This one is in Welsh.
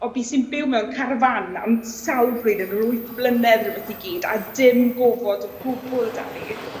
o bu's i'n byw mewn carfan am sawl blwyddyn rw wyth blynedd rwbeth i gyd a dim gofod o gwbwl 'da fi